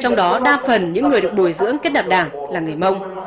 trong đó đa phần những người được bồi dưỡng kết nạp đảng là người mông